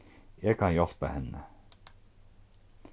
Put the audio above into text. eg kann hjálpa henni